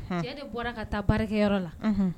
Jeli ni bɔra ka taa barikakɛyɔrɔ la